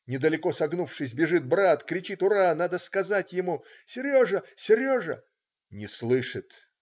Недалеко, согнувшись, бежит брат, кричит "ура". Надо сказать ему. "Сережа! Сережа!" - Не слышит.